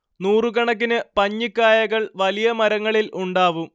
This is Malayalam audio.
നൂറുകണക്കിന് പഞ്ഞിക്കായകൾ വലിയ മരങ്ങളിൽ ഉണ്ടാവും